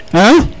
a